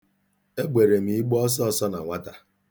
Egbere m igbe ọsọọsọ na nwata.